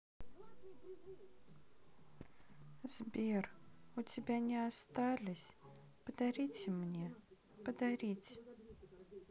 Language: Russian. сбер у тебя не остались подарите мне подарить